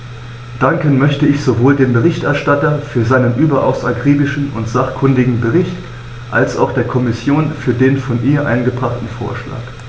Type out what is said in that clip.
Danken möchte ich sowohl dem Berichterstatter für seinen überaus akribischen und sachkundigen Bericht als auch der Kommission für den von ihr eingebrachten Vorschlag.